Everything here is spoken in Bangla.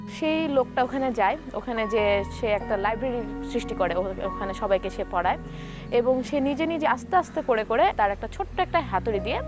সেই লোকটা সেই লোকটা ওখানে যায় ওখানে যে সে একটা লাইব্রেরী সৃষ্টি করে মানে সবাইকে সে পড়ায় সে নিজে নিজে আস্তে আস্তে করে করে ছোট্ট একটা হাতুড়ি দিয়ে